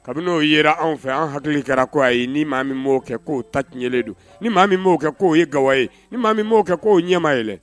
Kabini'o ye anw fɛ an hakili kɛra ko a ye ni maa min b'o kɛ k'o ta tiɲɛlen don ni maa min b'o kɛ k'o ye gawa ye ni maa min b'o kɛ k'o ɲɛmaa yɛlɛɛlɛ